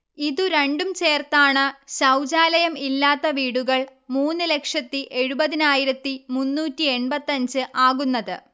ഇതു രണ്ടും ചേർത്താണ് ശൗചാലയം ഇല്ലാത്ത വീടുകൾ മൂന്നു ലക്ഷത്തി എഴുപത്തിനായിരത്തി മുന്നൂറ്റി എൺപത്തി അഞ്ച് ആകുന്നത്